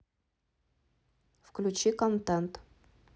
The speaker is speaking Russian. включи контент